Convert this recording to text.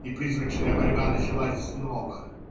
И призрачная борьба началась снова.